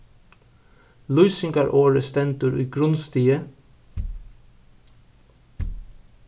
lýsingarorðið stendur í grundstigi